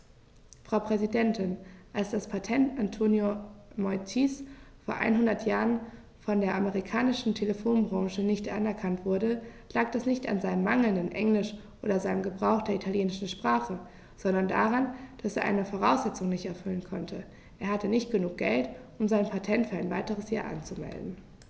Frau Präsidentin, als das Patent Antonio Meuccis vor einhundert Jahren von der amerikanischen Telefonbranche nicht anerkannt wurde, lag das nicht an seinem mangelnden Englisch oder seinem Gebrauch der italienischen Sprache, sondern daran, dass er eine Voraussetzung nicht erfüllen konnte: Er hatte nicht genug Geld, um sein Patent für ein weiteres Jahr anzumelden.